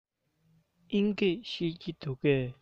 དབྱིན སྐད ཤེས ཀྱི འདུག གས